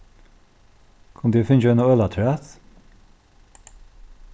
kundi eg fingið eina øl afturat